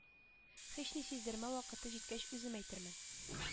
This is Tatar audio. Һични сиздермә вакыты җиткәч үзем әйтермен